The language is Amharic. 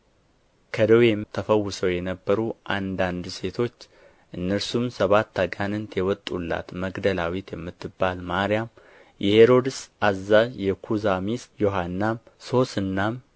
ከደዌም ተፈውሰው የነበሩ አንዳንድ ሴቶች እነርሱም ሰባት አጋንንት የወጡላት መግደላዊት የምትባል ማርያም የሄሮድስ አዛዥ የኩዛ ሚስት ዮሐናም ሶስናም